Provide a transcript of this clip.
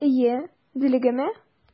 Әйе, Доллигамы?